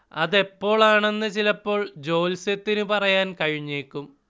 അതെപ്പോൾ ആണെന്ന് ചിലപ്പോൾ ജ്യോല്‍സ്യത്തിനു പറയാൻ കഴിഞ്ഞേക്കും